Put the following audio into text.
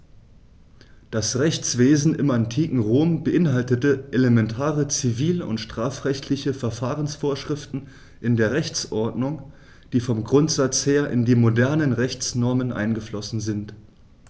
Das Rechtswesen im antiken Rom beinhaltete elementare zivil- und strafrechtliche Verfahrensvorschriften in der Rechtsordnung, die vom Grundsatz her in die modernen Rechtsnormen eingeflossen sind.